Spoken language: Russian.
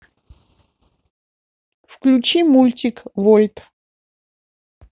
включи мультик вольт